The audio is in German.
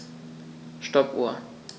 Stoppuhr.